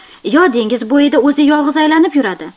yo dengiz bo'yida o'zi yolg'iz aylanib yuradi